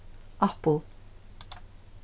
apple